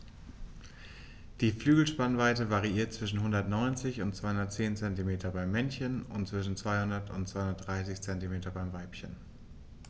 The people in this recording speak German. Die Flügelspannweite variiert zwischen 190 und 210 cm beim Männchen und zwischen 200 und 230 cm beim Weibchen.